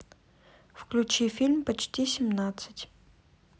включи фильм почти семнадцать